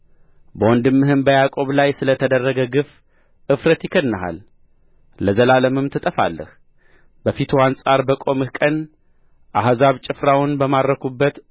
በወንድምህ በያዕቆብ ላይ ስለ ተደረገ ግፍ እፍረት ይከድንሃል ለዘላለምም ትጠፋለህ በፊቱ አንጻር በቆምህ ቀን አሕዛብ ጭፍራውን በማረኩበት